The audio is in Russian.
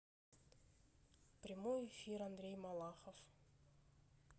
прямой эфир андрей малахов